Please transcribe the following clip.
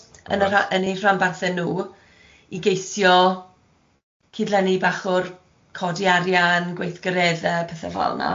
yn eu rhanbarthau nhw i geisio cyd-lennu bach o'r codi arian, gweithgaredde a petha fel 'na.